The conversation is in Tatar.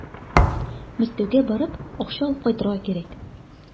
Мәскәүгә барып, акча алып кайтырга кирәк.